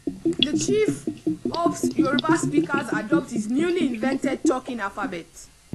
This chief hopes Yorùbá speakers adopt his newly invented 'talking alphabet'